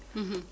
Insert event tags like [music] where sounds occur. [hesitation] [hesitation]